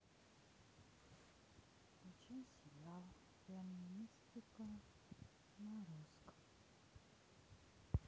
включи сериал реальная мистика на русском